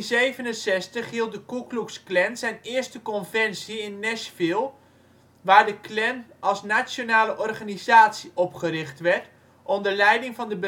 1867 hield de Ku Klux Klan zijn eerste conventie in Nashville waar de Klan als ' nationale organisatie ' opgericht werd onder leiding van de